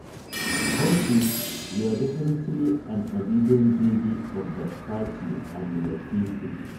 OK, you are definitely an obedient baby of the Party and the People.